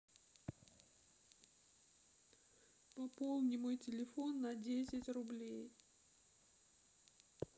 пополни мой телефон на десять рублей